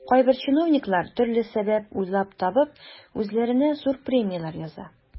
Кайбер чиновниклар, төрле сәбәп уйлап табып, үзләренә зур премияләр яза.